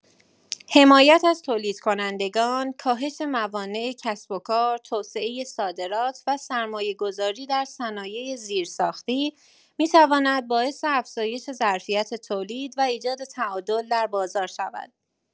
حمایت از تولیدکنندگان، کاهش موانع کسب‌وکار، توسعه صادرات و سرمایه‌گذاری در صنایع زیرساختی می‌تواند باعث افزایش ظرفیت تولید و ایجاد تعادل در بازار شود.